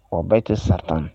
Oba kɛ sa tan